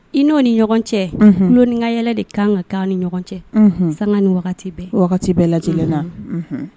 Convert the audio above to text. I n'o ni ɲɔgɔn cɛ doninka yɛlɛ de kan ka kan ni ɲɔgɔn cɛ sanga ni wagati bɛɛ wagati bɛɛ lajɛ lajɛlen la